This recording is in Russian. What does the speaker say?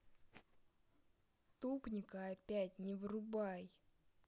тупника опять не врубай